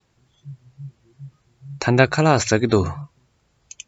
ད ལྟ ཁ ལག ཟ གི འདུག